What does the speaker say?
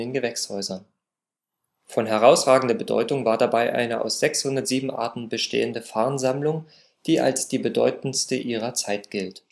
Gewächshäusern. Von herausragender Bedeutung war dabei eine aus 607 Arten bestehende Farnsammlung, die als die bedeutendste ihrer Zeit gilt